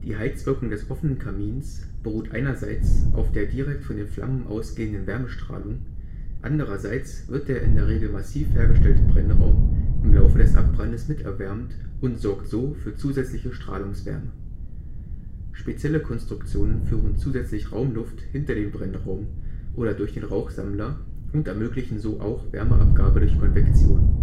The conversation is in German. Heizwirkung des offenen Kamins beruht einerseits auf der direkt von den Flammen ausgehenden Wärmestrahlung. Andererseits wird der in der Regel massiv hergestellte Brennraum im Laufe des Abbrandes mit erwärmt und sorgt so für zusätzliche Strahlungswärme. Spezielle Konstruktionen führen zusätzlich Raumluft hinter den Brennraum oder durch den Rauchsammler und ermöglichen so auch Wärmeabgabe durch Konvektion